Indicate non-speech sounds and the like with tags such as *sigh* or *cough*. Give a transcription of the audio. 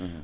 *hesitation* *hesitation*